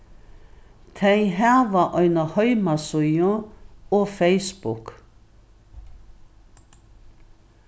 tey hava eina heimasíðu og facebook